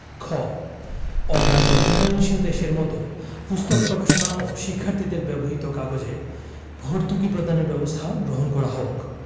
খ অন্যান্য উন্নয়নশীল দেশের মত পুস্তক প্রকাশনা ও শিক্ষার্থীদের ব্যবহৃত কাগজে ভর্তুকি প্রদানের ব্যবস্থা গ্রহণ করা হোক